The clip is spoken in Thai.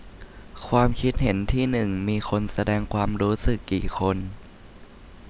ความคิดเห็นที่หนึ่งมีคนแสดงความรู้สึกกี่คน